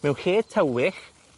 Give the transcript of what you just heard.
mewn lle tywych,